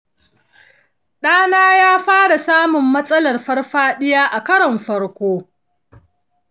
ɗana ya fara samun matsalar farfadiya a karon farko.